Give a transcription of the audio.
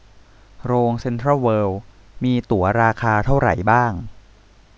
โรงเซ็นทรัลเวิลด์มีตั๋วราคาเท่าไหร่บ้าง